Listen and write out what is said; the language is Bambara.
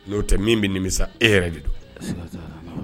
N'o tɛ min bɛ nimisa e yɛrɛ de don